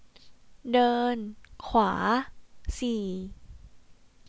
เดินขวาสี่